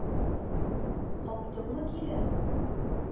Каптыңмы килеп?